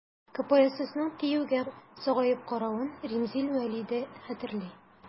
КПССның ТИҮгә сагаеп каравын Римзил Вәли дә хәтерли.